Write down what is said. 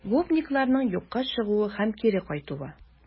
Гопникларның юкка чыгуы һәм кире кайтуы